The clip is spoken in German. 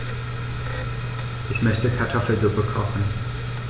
Ich möchte Kartoffelsuppe kochen.